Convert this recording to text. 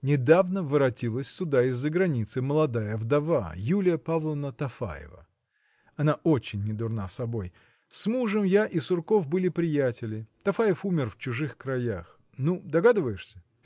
Недавно воротилась сюда из-за границы молодая вдова Юлия Павловна Тафаева. Она очень недурна собой. С мужем я и Сурков были приятели. Тафаев умер в чужих краях. Ну, догадываешься?